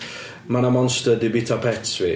ma' 'na monster 'di byta pets fi.